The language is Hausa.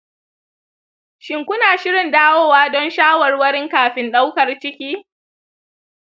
shin kuna shirin dawowa don shawarwarin kafin daukar ciki?